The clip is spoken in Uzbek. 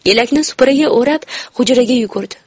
elakni supraga o'rab hujraga yugurdi